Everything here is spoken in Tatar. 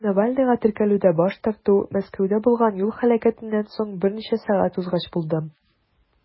Навальныйга теркәлүдә баш тарту Мәскәүдә булган юл һәлакәтеннән соң берничә сәгать узгач булды.